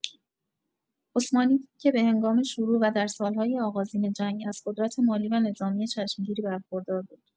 عثمانی که به هنگام شروع و در سال‌های آغازین جنگ از قدرت مالی و نظامی چشمگیری برخوردار بود.